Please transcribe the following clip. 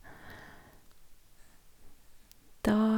Da...